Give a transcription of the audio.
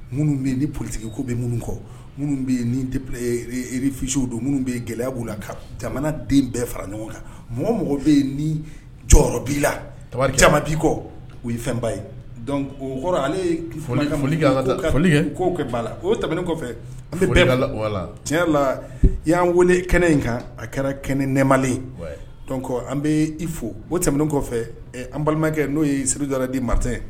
Minnu bɛ ni porotigiko bɛ minnu kɔ minnu bɛ yen ni derefisiw don minnu bɛ gɛlɛya b' la ka jamana den bɛɛ fara ɲɔgɔn kan mɔgɔ mɔgɔ bɛ yen ni jɔyɔrɔ' la caman bi kɔ o ye fɛnba ye o kɔrɔ ale f ka kɛ' la taen kɔfɛ an bɛ tiɲɛ la i y'an wele kɛnɛ in kan a kɛra kɛnɛ nɛma kɔ an bɛ i fo o tɛmɛn kɔfɛ an balimakɛ n'o ye selija di matɛ